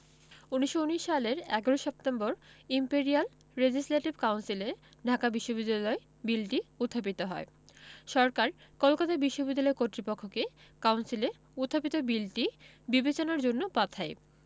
১৯১৯ সালের ১১ September imperial legislative কাউন্সিলে ঢাকা বিশ্ববিদ্যালয় বিলটি উত্থাপিত হয় সরকার কলকাতা বিশ্ববিদ্যালয় কর্তৃপক্ষকে কাউন্সিলে উত্থাপিত বিলটি বিবেচনার জন্য পাঠায়